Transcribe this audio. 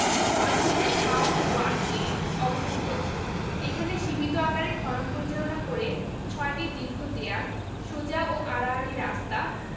Mainamati mound one এ অবস্থিত এখানে সীমিত আকারে খনন পরিচালনা করে ছয়টি দীর্ঘ দেওয়াল সোজা ও আড়াআড়ি রাস্তা